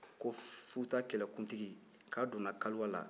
ko futa kɛlɛkuntigi k'a donna kaluwa la